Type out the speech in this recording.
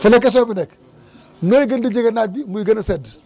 fa la question bi nekk nooy gën di jegee naaj bi muy gën a sedd